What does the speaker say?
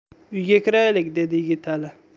uyga kiraylik dedi yigitali